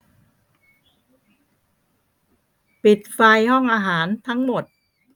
ปิดไฟห้องอาหารทั้งหมด